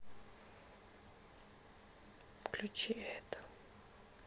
включи это